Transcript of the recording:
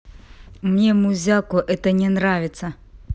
мне muzyka это не нравится